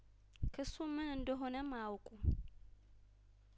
ክሱምን እንደሆነም አያውቁ